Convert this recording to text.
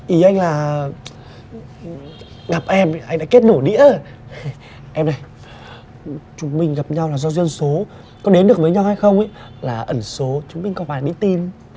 ý anh là gặp em anh đã kết nổ đĩa rồi em ơi chúng mình gặp nhau là do duyên số có đến được với nhau hay không là ẩn số chúng mình còn phải đi tìm